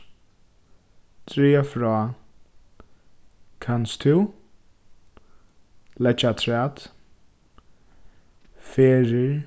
draga frá kanst tú leggja afturat ferðir